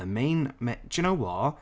The main ma- do you know what?